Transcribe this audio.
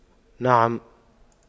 نعم